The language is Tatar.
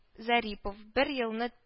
Зарипов бер елны